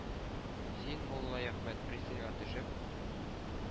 Син, Муллаәхмәт, пристаньга төшеп,